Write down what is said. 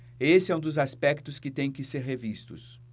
esse é um dos aspectos que têm que ser revistos